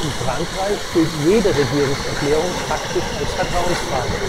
Frankreich gilt jede Regierungserklärung faktisch als Vertrauensfrage